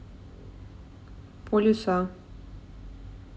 полюса